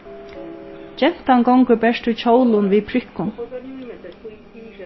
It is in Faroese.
gentan gongur bert í kjólum við prikkum